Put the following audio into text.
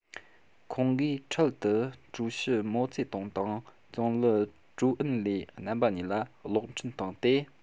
ཁོང གིས འཕྲལ དུ ཀྲུའུ ཞི མའོ ཙེ ཏུང དང ཙུང ལི ཀྲོའུ ཨེན ལེ རྣམ པ གཉིས ལ གློག འཕྲིན བཏང སྟེ